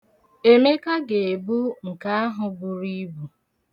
Emeka ga-ebu nke ahụ buru ibu.